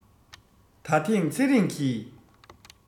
ད ཐེངས ཚེ རིང གིས